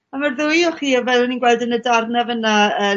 A ma'r ddwy o chi yy fel o'n ni'n gweld yn y darn 'na fyn 'na yy